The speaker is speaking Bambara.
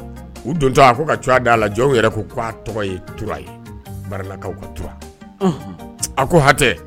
U don a ko ka da la jɔn yɛrɛ ko k' tɔgɔ ye tura yekaw ka tura a ko hatɛ